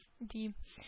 Ди